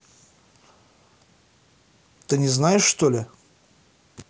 ты не знаешь чтоли